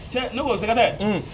Cɛ ne koo sɛgɛ dɛ h